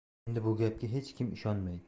endi bu gapga hech kim ishonmaydi